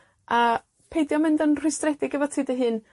A, peidio mynd yn rhwystredig efo ti dy hun.